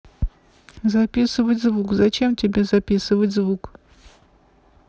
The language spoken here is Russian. записывать звук зачем тебе записывать звук